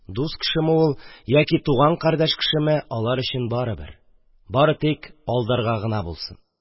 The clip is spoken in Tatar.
Дус кешеме ул яки туган-кардәшме, алар өчен барыбер, бары тик алдарга булсын